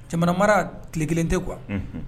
Jamana mara tile kelen tɛ kuwa